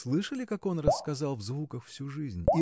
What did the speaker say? Слышали, как он рассказал в звуках всю жизнь